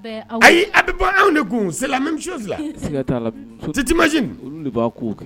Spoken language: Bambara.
Ayi a bɛ bɔ anw de misi teti ma'a